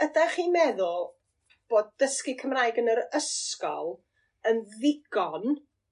Yda chi'n meddwl bod dysgu Cymraeg yn yr ysgol yn ddigon